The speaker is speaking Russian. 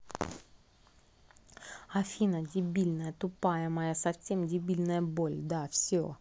афина дебильная тупая моя совсем дебильная боль да все